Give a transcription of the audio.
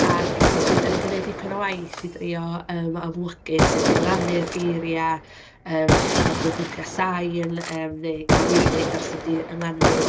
Ac felly dan ni 'di wneud dipyn o waith i drio yym amlygu sut i ynganu'r geiriau, yym dach chibod, drwy glipiau sain yym neu cyfarwyddyd ar sut i ynganu.